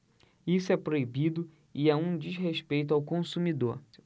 isso é proibido e é um desrespeito ao consumidor